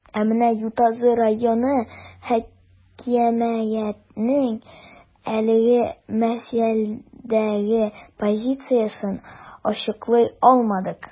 Ә менә Ютазы районы хакимиятенең әлеге мәсьәләдәге позициясен ачыклый алмадык.